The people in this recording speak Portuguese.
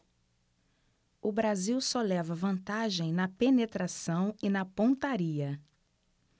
o brasil só leva vantagem na penetração e na pontaria